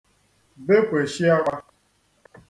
bekweshi akwa